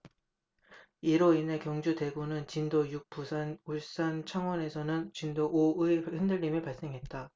이로 인해 경주 대구는 진도 육 부산 울산 창원에선 진도 오 의 흔들림이 발생했다